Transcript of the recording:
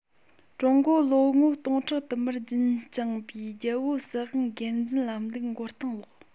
ཀྲུང གོར ལོ ངོ སྟོང ཕྲག དུ མར རྒྱུན བསྐྱངས པའི རྒྱལ པོའི སྲིད དབང སྒེར འཛིན ལམ ལུགས མགོ རྟིང བསློགས